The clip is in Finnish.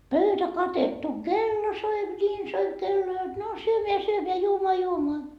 pöytä katettu kello soi niin soi kello jotta no syömään syömään juomaan juomaan